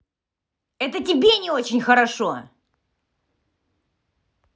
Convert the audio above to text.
это тебе не очень хорошо